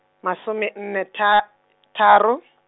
masome nne tha-, tharo.